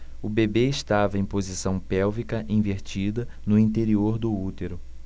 o bebê estava em posição pélvica invertida no interior do útero